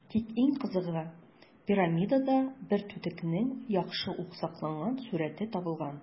Тик иң кызыгы - пирамидада бер түтекнең яхшы ук сакланган сурəте табылган.